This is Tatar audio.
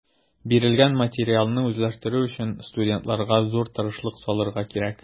Бирелгән материалны үзләштерү өчен студентларга зур тырышлык салырга кирәк.